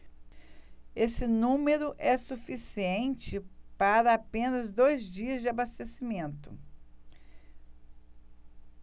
esse número é suficiente para apenas dois dias de abastecimento